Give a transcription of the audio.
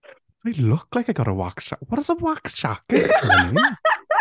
Do I look like I've got a wax jack... What does a wax jacket mean?